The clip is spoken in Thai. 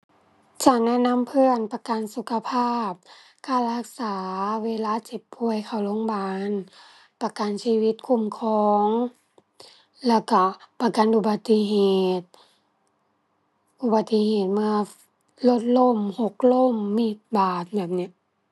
จะแนะนำเพื่อน ประกันสุขภาพ ค่ารักษาเวลาเจ็บป่วยเข้าโรงบาล ประกันชีวิตคุ้มครอง แล้วก็ประกันอุบัติเหตุ อุบัติเหตุเมื่อ รถล้ม หกล้ม มีดบาด แบบเนี้ย